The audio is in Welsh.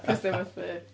Cos dio methu...